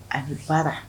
A baara